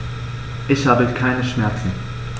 Ich habe keine Schmerzen.